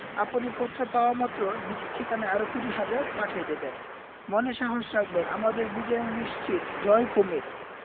আপনি পত্র পাওয়ামাত্র নিচের ঠিকানায় আরো কুড়ি হাজার পাঠিয়ে দেবেন মনে সাহস রাখবেন আমাদের বিজয় নিশ্চিত জয় কুমীর